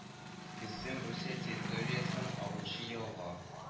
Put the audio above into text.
Кесым Русия территориясен агучы елга